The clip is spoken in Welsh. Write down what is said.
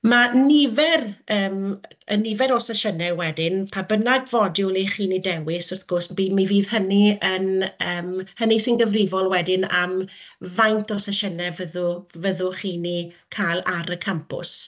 ma' nifer yym y nifer o sesiynau wedyn, pa bynnag fodiwl 'y chi'n ei dewis wrth gwrs, by- mi fydd hynny yn yym, hynny sy'n gyfrifol wedyn am faint o sesiynau fyddw- fyddwch chi'n eu cael ar y campws.